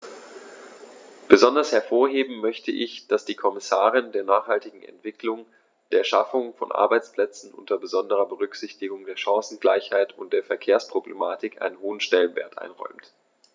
Besonders hervorheben möchte ich, dass die Kommission der nachhaltigen Entwicklung, der Schaffung von Arbeitsplätzen unter besonderer Berücksichtigung der Chancengleichheit und der Verkehrsproblematik einen hohen Stellenwert einräumt.